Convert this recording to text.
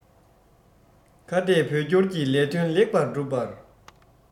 ཁ གཏད བོད སྐྱོར གྱི ལས དོན ལེགས པར སྒྲུབ པར